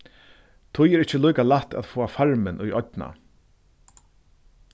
tí er ikki líka lætt at fáa farmin í oynna